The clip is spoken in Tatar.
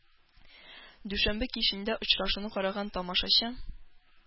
Дүшәмбе кичендә очрашуны караган тамашачы